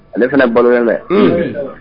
Ale fana balo fɛ